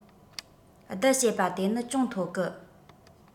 བསྡུ བྱེད པ དེ ནི ཅུང མཐོ གི